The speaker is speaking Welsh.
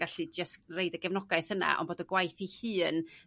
gallu jyst reid y gefnogaeth yna ond bod y gwaith i hun